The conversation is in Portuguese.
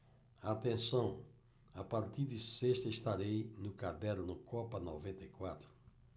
atenção a partir de sexta estarei no caderno copa noventa e quatro